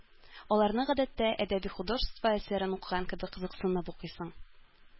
Аларны, гадәттә, әдәби-художество әсәрен укыган кебек кызыксынып укыйсың.